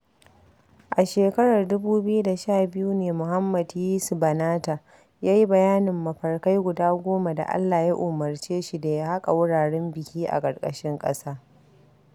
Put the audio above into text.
A shekarar 2012 ne Mohammed Yiso Banatah ya yi bayanin mafarkai guda goma da Allah Ya umarce shi da ya haƙa wuraren biki a ƙarƙashin ƙasa.